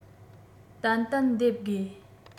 ཏན ཏན འདེབས དགོས